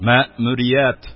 Маэмурият